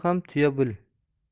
ham tuya bil